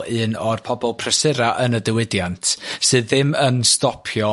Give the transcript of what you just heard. fel un o'r pobol prysura yn y diwydiant sydd ddim yn sdopio